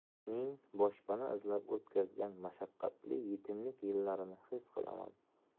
uning boshpana izlab o'tkazgan mashaqqatli yetimlik yillarini xis qilaman